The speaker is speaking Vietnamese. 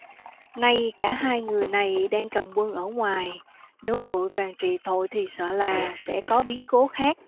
nay cả hai người này đang cầm quân ở ngoài nếu vội vàng trị tội thì sợ là sẽ có biến cố khác